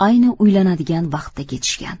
ayni uylanadigan vaqtda ketishgan